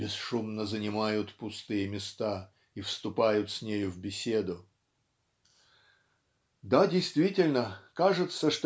бесшумно занимают пустые места и вступают с нею в беседу" да действительно кажется